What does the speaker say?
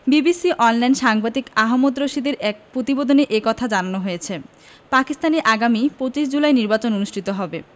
BBC অনলাইনে সাংবাদিক আহমেদ রশিদের এক পতিবেদনে এ কথা জানানো হয়েছে পাকিস্তানে আগামী ২৫ জুলাই নির্বাচন অনুষ্ঠিত হবে